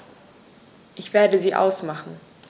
Ich werde sie ausmachen.